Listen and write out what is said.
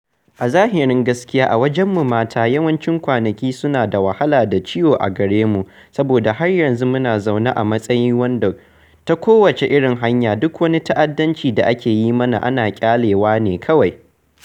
A zahirin gaskiya, a wajenmu mata, yawancin kwanaki suna da wahala da ciwo a gare mu saboda har yanzu muna zaune a wani matsayi wanda, ta kowace irin hanya, duk wani ta'addancin da ake yi mana ana ƙyale wa ne kawai.